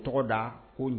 Tɔgɔ da ko